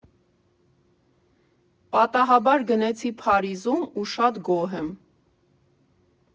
Պատահաբար գնեցի Փարիզում ու շատ գոհ եմ։